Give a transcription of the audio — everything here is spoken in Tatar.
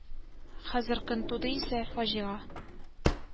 Хәзер көн туды исә фаҗыйга